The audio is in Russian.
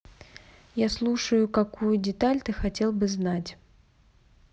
я слушаю какую деталь ты хотел бы знать